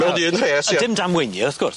Mewn un rhes ie. A dim damwainie wrth gwrs.